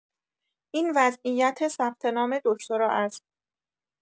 این وضعیت ثبت‌نام دکتری است!